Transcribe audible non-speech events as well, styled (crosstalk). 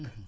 (hesitation) (hesitation)